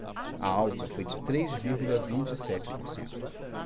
a alta foi de três vírgula vinte e sete por cento